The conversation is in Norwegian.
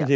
ja.